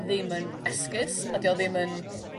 ddim yn esgus a 'di o ddim yn...